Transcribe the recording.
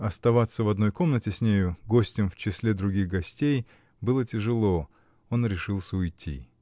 оставаться в одной комнате с нею, гостем в числе других гостей, -- было тяжело: он решился уйти.